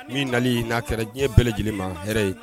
Min nali n'a kɛra diɲɛ bɛɛ lajɛlen ma hɛrɛ ye